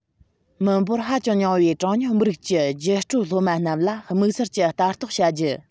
མི འབོར ཧ ཅང ཉུང བའི གྲངས ཉུང མི རིགས ཀྱི རྒྱུགས སྤྲོད སློབ མ རྣམས ལ དམིགས བསལ གྱི ལྟ རྟོག བྱ རྒྱུ